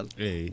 eeyi